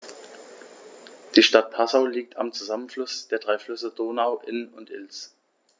Die Stadt Passau liegt am Zusammenfluss der drei Flüsse Donau, Inn und Ilz.